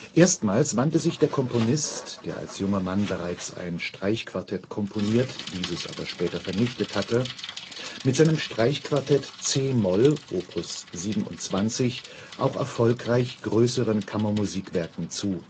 Erstmals wandte sich der Komponist (der als junger Mann bereits ein Streichquartett komponiert, dieses aber später vernichtet hatte) mit seinem Streichquartett c-Moll op. 27 auch erfolgreich größeren Kammermusikwerken zu